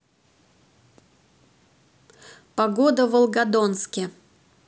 погода в волгодонске